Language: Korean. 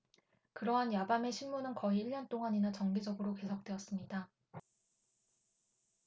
그러한 야밤의 심문은 거의 일년 동안이나 정기적으로 계속되었습니다